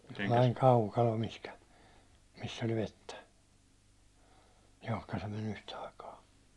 sellainen kaukalo mihin missä oli vettä johon se meni yhtä aikaa